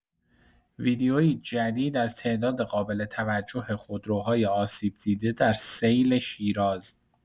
ویدئویی جدید از تعداد قابل‌توجه خودروهای آسیب‌دیده در سیل شیراز